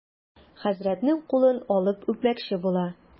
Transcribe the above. Хәзрәтнең кулын алып үпмәкче була.